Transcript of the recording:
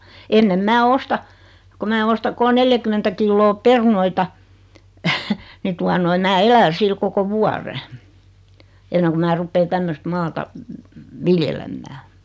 ennen minä ostan kun minä ostan kolme neljäkymmentä kiloa perunoita niin tuota noin minä elän sillä koko vuoden ennen kuin minä rupean tämmöistä maata viljelemään